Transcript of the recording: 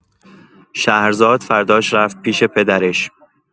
شهرزاد فرداش رفت پیش پدرش.